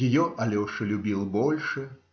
Ее Алеша любил больше.